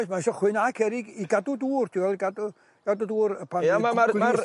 Oes ma' isio chwyn a cerrig i i gadw dŵr ti'n weld gadw gadw dŵr y pan Ie ond ma'r ma'r ma'r r-.